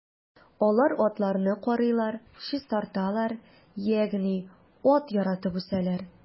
Алар атларны карыйлар, чистарталар, ягъни ат яратып үсәләр.